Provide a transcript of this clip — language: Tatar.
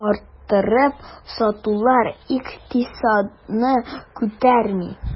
Арттырып сатулар икътисадны күтәрми.